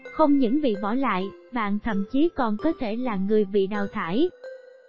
không những bị bỏ lại bạn thậm chí còn có thể là người bị đào thải